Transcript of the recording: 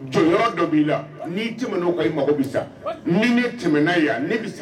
Jɔn dɔ' i la tɛm sa ni tɛm n'a ye